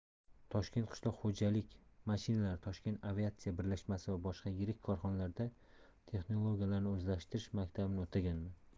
toshkent qishloq xo'jalik mashinalari toshkent aviatsiya birlashmasi va boshqa yirik korxonalarda texnologiyalarni o'zlashtirish maktabini o'taganman